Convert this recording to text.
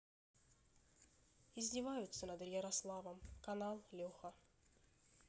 издеваются над ярославом канал леха